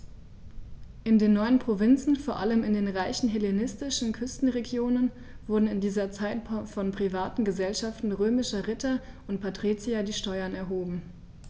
In den neuen Provinzen, vor allem in den reichen hellenistischen Küstenregionen, wurden in dieser Zeit von privaten „Gesellschaften“ römischer Ritter und Patrizier die Steuern erhoben.